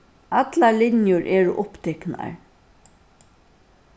allar linjur eru upptiknar